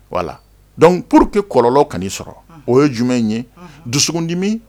Wala dɔnkuc pur que kɔlɔn ka' sɔrɔ o ye jumɛn in ye dusukundimi